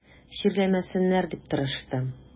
Чирләмәсеннәр дип тырыштым.